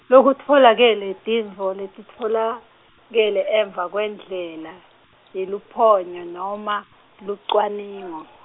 Lokutfolakele tintfo letitfolakele emva kwendlela yeluphenyo noma lucwaningo.